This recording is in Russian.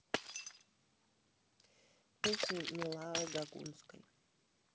песни милаы гогунской